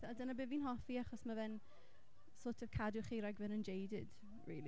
A dyna beth fi'n hoffi achos mae fe'n sort of cadw chi rhag mynd yn jaded rili.